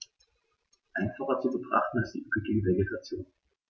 Einfacher zu betrachten ist die üppige Vegetation.